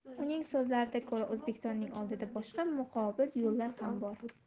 uning so'zlariga ko'ra o'zbekistonning oldida boshqa muqobil yo'llar ham bor